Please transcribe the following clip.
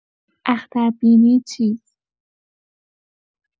اختربینی چیست؟